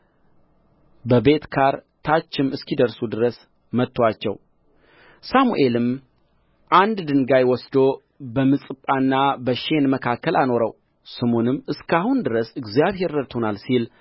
በቤትካር ታችም እስኪደርሱ ድረስ መቱአቸው ሳሙኤልም አንድ ድንጋይ ወስዶ በምጽጳና በሼን መካከል አኖረው ስሙንም እስከ አሁን ድረስ እግዚአብሔር ረድቶናል ሲል